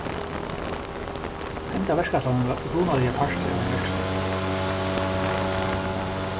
hendan verkætlanin var upprunaliga partur av einari verkstovu